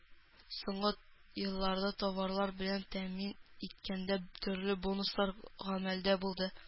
Соңгы елларда товарлар белән тәэмин иткәндә төрле бонуслар гамәлдә булды